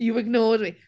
"You've ignored me."